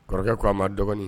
Kɔrɔkɛ ko a ma dɔgɔnin